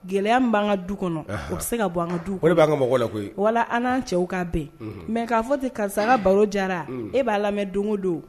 Gɛlɛya b'an ka du kɔnɔ o bɛ se ka bɔ an ka du de b'a ka mɔgɔ la koyi wa an'an cɛw ka bɛn mɛ k'a fɔ tɛ karisaga baro jara e b'a lamɛn don o don